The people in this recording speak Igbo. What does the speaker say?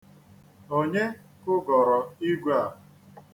Onye kụgọrọ igwe a?